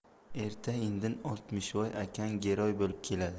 erta indin oltmishvoy aka giroy bo'lib keladi